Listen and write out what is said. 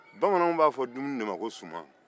bamananw b'a fɔ dumuni de ma ko suman